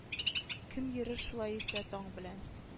Кем йөрер шулай иртә таң белән